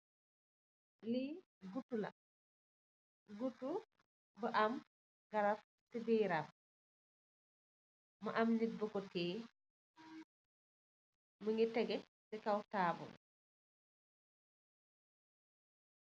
Li gudtula gudtu bu am garab si biram mo am nit buko tigeh mogi tegu si kaw tabul.